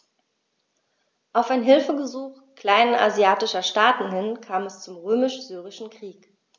Auf ein Hilfegesuch kleinasiatischer Staaten hin kam es zum Römisch-Syrischen Krieg.